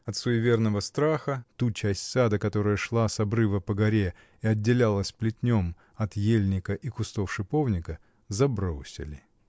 От суеверного страха ту часть сада, которая шла с обрыва по горе и отделялась плетнем от ельника и кустов шиповника, забросили.